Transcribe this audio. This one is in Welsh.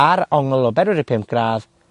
ar ongl o bedwar deg pump gradd